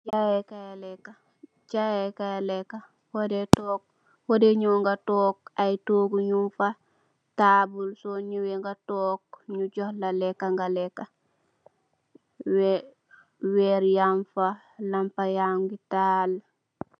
Jayekaye lekka la amb aye nitt you faye tock dii lekcka